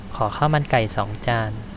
ขอข้าวมันไก่สองจาน